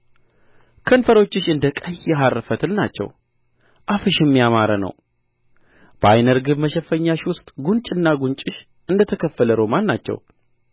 ከንፈሮችሽ እንደ ቀይ ሐር ፈትል ናቸው አፍሽም ያማረ ነው በዓይነ ርግብ መሸፈኛሽ ውስጥ ጕንጭና ጕንጭሽ እንደ ተከፈለ ሮማን ናቸው